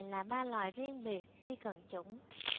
là ba loài riêng biệt tuy cận chủng